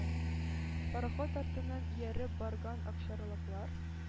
Пароход артыннан ияреп барган акчарлаклар,